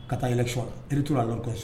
Ka taa yɛlɛc iri ttura la dɔn kɔsɔ